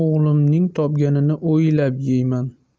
o'g'limning topganini o'ylab yeyman